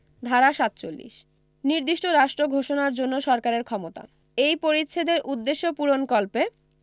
ধারা ৪৭ নির্দিষ্ট রাষ্ট্র ঘোষণার জন্য সরকারের ক্ষমতা এই পরিচ্ছেদের উদ্দেশ্য পূরণকল্পে